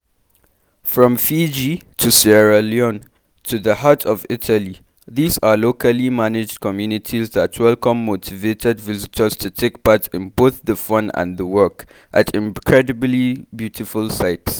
From Fiji and Sierra Leone to the heart of Italy, these are locally managed communities that welcome motivated visitors to take part in both the fun and the work at incredibly beautiful sites.